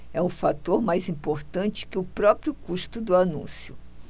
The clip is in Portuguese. é um fator mais importante que o próprio custo do anúncio